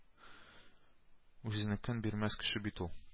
Үзенекен бирмәс кеше бит ул